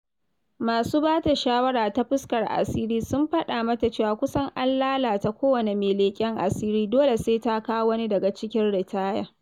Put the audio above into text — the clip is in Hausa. Masu ba ta shawara ta fuskar asiri sun faɗa mata cewa kusan an lalata kowane mai leƙen asiri, dole sai ta kawo wani daga cikin ritaya.